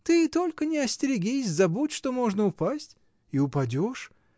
Ты только не остерегись, забудь, что можно упасть — и упадешь.